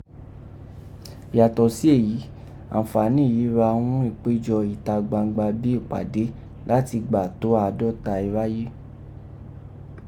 Yatọ si eyi, anfaani yìí gha ghún ipejọ ita gbangba bi ipade, lati gba to aadọta iráyé.